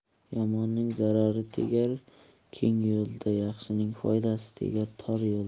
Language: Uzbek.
yomonning zarari tegar keng yo'lda yaxshining foydasi tegar tor yo'lda